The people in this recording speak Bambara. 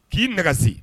K'i nagasi.